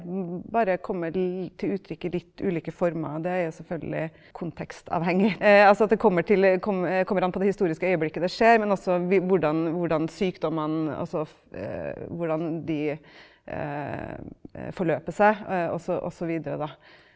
bare kommer til uttrykk i litt ulike former, det er jo selvfølgelig kontekstavhengig, altså at det kommer til kommer an på det historiske øyeblikket det skjer, men også hvordan hvordan sykdommene, altså hvordan de forløper seg også også videre da.